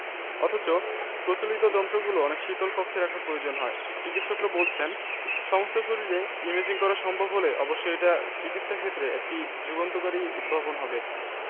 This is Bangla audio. অথচ প্রচলিত যন্ত্রগুলো অনেক শীতল কক্ষে রাখার প্রয়োজন হয় চিকিত্সকরা বলছেন সমস্ত শরীরে ইমেজিং করা সম্ভব হলে অবশ্যই এটা চিকিত্সাক্ষেত্রে একটি যুগান্তকারী উদ্ভাবন হবে